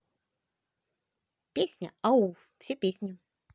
песня ауф все песни